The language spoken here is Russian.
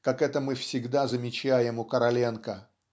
как это мы всегда замечаем у Короленко.